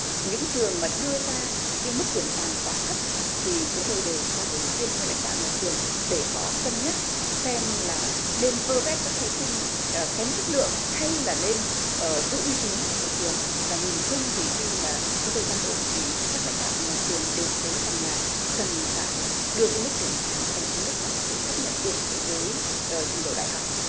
những trường mà đưa ra cái mức điểm sàn quá thấp thì chúng tôi đều trao đổi riêng với lãnh đạo nhà trường để họ cân nhắc xem là nên vơ vét các thí sinh ờ kém chất lượng hay là nên ờ giữ uy tín cho nhà trường và nhìn chung thì khi mà chúng tôi trao đổi thì các lãnh đạo của nhà trường đều thấy rằng là cần phải đưa cái mức điểm sàn ở cái mức mà có thể chấp nhận được đối với ờ trình độ đại học